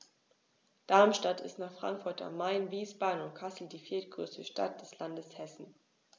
Darmstadt ist nach Frankfurt am Main, Wiesbaden und Kassel die viertgrößte Stadt des Landes Hessen